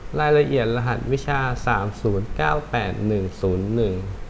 รายละเอียดรหัสวิชาสามศูนย์เก้าแปดหนึ่งศูนย์หนึ่ง